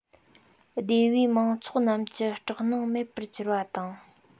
སྡེ བའི མང ཚོགས རྣམས ཀྱི སྐྲག སྣང མེད པར གྱུར བ དང